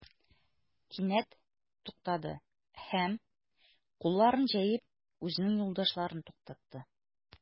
Кинәт туктады һәм, кулларын җәеп, үзенең юлдашларын туктатты.